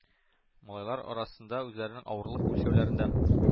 Малайлар арасында үзләренең авырлык үлчәүләрендә